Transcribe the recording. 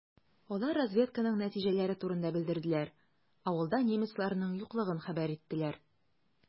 Алар разведканың нәтиҗәләре турында белдерделәр, авылда немецларның юклыгын хәбәр иттеләр.